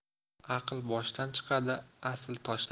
aql boshdan chiqadi asl toshdan